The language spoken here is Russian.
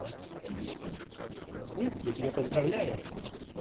нет я тебя поздравляю